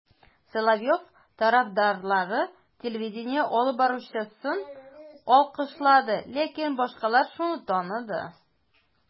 Соловьев тарафдарлары телевидение алып баручысын алкышлады, ләкин башкалар шуны таныды: